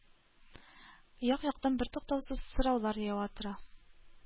Як-яктан бертуктаусыз сораулар ява тора.